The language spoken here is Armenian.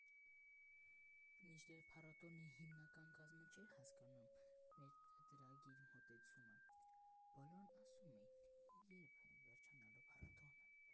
Մինչդեռ փառատոնի հիմնական կազմը չէր հասկանում մեր տրագիկ մոտեցումը, բոլորն ասում էին՝ երբ է վերջանալու փառատոնը.